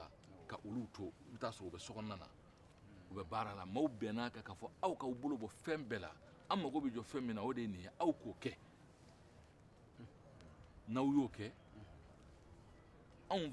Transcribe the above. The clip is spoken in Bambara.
maaw bɛnn'a kan k'a fɔ aw k'a bolo bɔ fɛn bɛɛ la an mago bɛ jɔ fɛn min na aw ka ni kɛ n'aw y'o kɛ anw fana ka kan ka min kɛ anw b'o kɛ aw ye